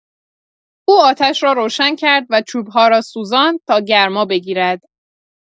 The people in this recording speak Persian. او آتش را روشن کرد و چوب‌ها را سوزاند تا گرما بگیرد.